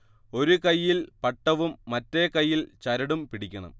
ഒരു കൈയ്യിൽ പട്ടവും മറ്റേ കൈയിൽ ചരടും പിടിക്കണം